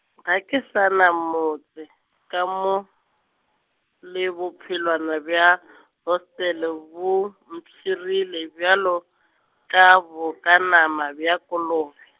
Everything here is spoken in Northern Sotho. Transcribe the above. ga ke sa na motse, ka mo, le bophelwana bja , hostele bo, mpshirile bjalo, ka bokanama bja kolobe.